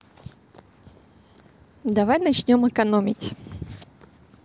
давай начнем экономить